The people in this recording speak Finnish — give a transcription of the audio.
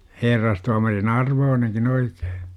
herrastuomarin arvoinenkin oikein